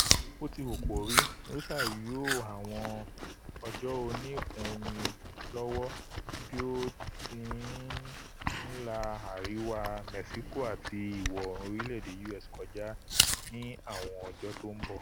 Bótiwùkórí, Rosa yóò àwọn òjò oníìkún omi lọ́wọ́ bí ó ti ńla àríwá Mẹ́ṣíkò àti ìwọ̀-oòrùn orílẹ̀-èdè U.S. kọ́ja ní àwọn ọjọ́ tó ḿbọ.